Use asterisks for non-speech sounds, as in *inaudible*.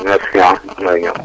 merci ah jërëjëf *noise*